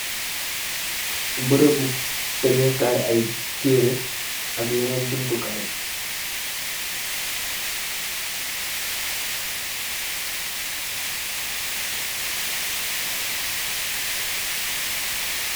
Beureubu, tegee kaay aye taireh ak yenen jumtukaay.